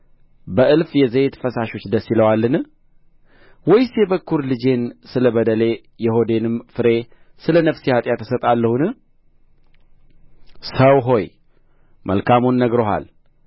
በእልፍ የዘይት ፈሳሾች ደስ ይለዋልን ወይስ የበኵር ልጄን ስለ በደሌ የሆዴንም ፍሬ ስለ ነፍሴ ኃጢአት እሰጣለሁን ሰው ሆይ መልካሙን ነግሮሃል